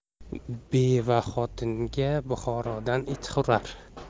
beva xotinga buxorodan it hurar